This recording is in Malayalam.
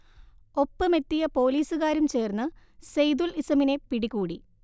ഒപ്പമെത്തിയ പോലീസുകാരും ചേർന്ന് സെയ്തുൽ ഇസമിനെ പിടികൂടി